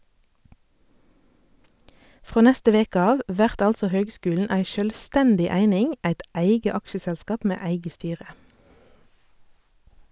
Frå neste veke av vert altså høgskulen ei sjølvstendig eining, eit eige aksjeselskap med eige styre.